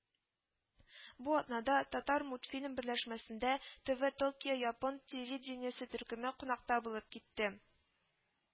Бу атнада Татармультфильм берләшмәсендә тв Токио япон телевидениесе төркеме кунакта булып китте